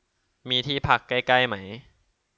มีที่พักใกล้ใกล้ไหม